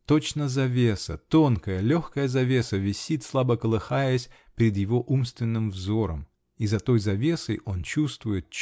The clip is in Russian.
Точно завеса, тонкая, легкая завеса висит, слабо колыхаясь, перед его умственным взором, -- и за той завесой он чувствует.